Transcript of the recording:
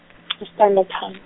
e- Standerton.